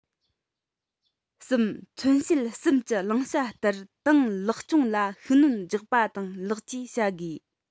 གསུམ མཚོན བྱེད གསུམ གྱི བླང བྱ ལྟར ཏང ལེགས སྐྱོང ལ ཤུགས སྣོན རྒྱག པ དང ལེགས བཅོས བྱ དགོས